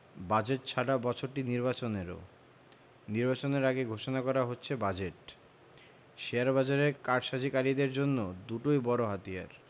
budget ছাড়া বছরটি নির্বাচনেরও নির্বাচনের আগে ঘোষণা করা হচ্ছে বাজেট শেয়ারবাজারের কারসাজিকারীদের জন্য দুটোই বড় হাতিয়ার